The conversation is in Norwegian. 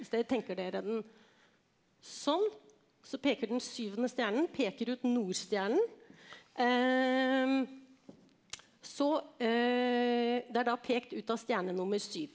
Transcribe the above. hvis dere tenker dere den sånn så peker den syvende stjernen peker ut Nordstjernen så det er da pekt ut av stjerne nummer syv.